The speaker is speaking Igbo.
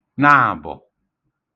naàbọ̀